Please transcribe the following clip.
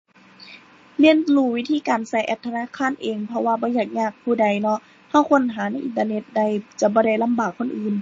เรียนรู้วิธีการใช้แอปธนาคารเอง เพราะว่าบ่อยากยากผู้ใดเนาะ ใช้ค้นหาในอินเทอร์เน็ตได้ จะบ่ได้ลำบากคนอื่น